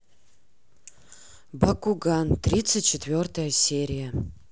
бакуган тридцать четвертая серия